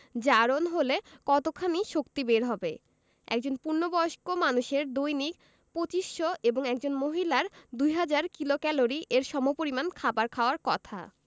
জারণ হলে কতখানি শক্তি বের হবে একজন পূর্ণবয়স্ক মানুষের দৈনিক ২৫০০ এবং একজন মহিলার ২০০০ কিলোক্যালরি এর সমপরিমান খাবার খাওয়ার কথা